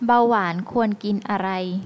เบาหวานควรกินอะไร